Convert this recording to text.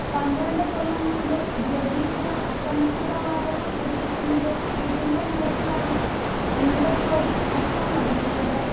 പന്ത്രണ്ട് കൊല്ലം മുന്പ് ദ്രവീകൃത അസംസ്കൃത വാതകം എത്തിക്കുന്നതിൽ തിരിമറി നടത്തിയാണ് എൺപത് കോടി നഷ്ടം വരുത്തിയത്